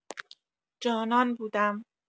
جانان بودم